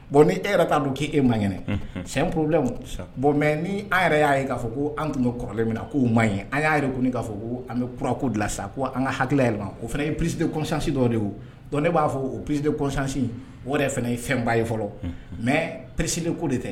Bon ni e yɛrɛ t'a don k'e ma ɲ sɛorolɛmu bɔn mɛ ni' yɛrɛ y'a ye k'a fɔ ko an tun bɛ kɔrɔlen min na k'o ma ye a y'a yɛrɛ ko k'a fɔ ko an bɛ kko dilan sa ko an ka hakilila yɛlɛma o fana ye psite kɔsansi dɔ de ye dɔn ne b'a fɔ o psite kɔsansin wɛrɛ fana ye fɛnba ye fɔlɔ mɛ prissini ko de tɛ